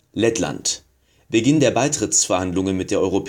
Lettland: Beginn der Beitrittsverhandlungen mit der EU